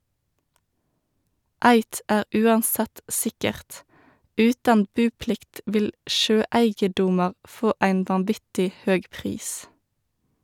Eitt er uansett sikkert, utan buplikt vil sjøeigedomar få ein vanvittig høg pris.